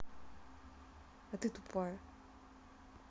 а ты тупая